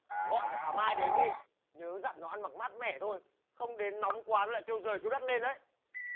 gọi cả thảo mai đến đi nhớ dặn nó ăn mặc mát mẻ thôi không đến nóng quá nó lại kêu giời kêu đất lên đấy